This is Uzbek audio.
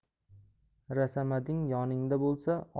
rasamading yoningda bo'lsa